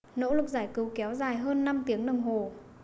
nỗ lực giải cứu kéo dài hơn năm tiếng đồng hồ